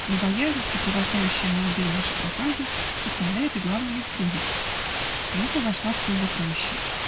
но боязнь, сопровождающая молодые наши проказы, составляет и главную их прелесть. Лиза вошла в сумрак рощи.